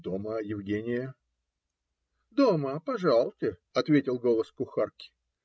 "Дома Евгения?" - "Дома, пожалуйте", - ответил голос кухарки.